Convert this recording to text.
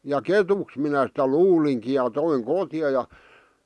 ja ketuksi minä sitä luulinkin ja toin kotiin ja